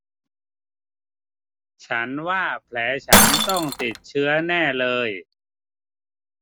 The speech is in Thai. ฉันว่าแผลฉันต้องติดเชื้อแน่เลย